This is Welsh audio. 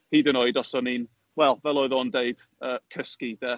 Hyd yn oed os o'n i'n, wel, fel oedd o'n deud, yy cysgu, de.